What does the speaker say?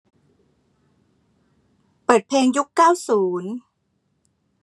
เปิดเพลงยุคเก้าศูนย์